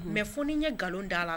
Mais fo ni n ye galon d'a la